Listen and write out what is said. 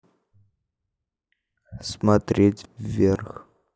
смотреть вверх